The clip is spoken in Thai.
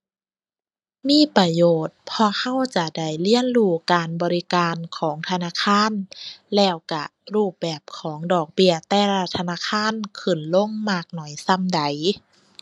มีประโยชน์ เพราะเราจะได้เรียนรู้การบริการของธนาคาร แล้วเรารูปแบบของดอกเบี้ยแต่ละธนาคาร ขึ้นลงมากน้อยส่ำใด